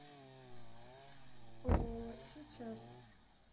ооо сейчас